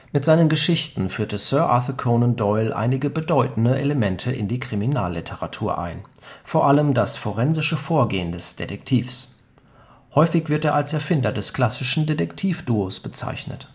Mit seinen Geschichten führte Sir Arthur Conan Doyle einige bedeutende Elemente in die Kriminalliteratur ein, vor allem das forensische Vorgehen des Detektivs. Häufig wird er als Erfinder des klassischen Detektivduos bezeichnet